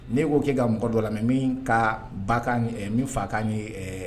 N'i ko k'i ka mɔgɔ dɔ la mɛ min ka ba min fa kan ye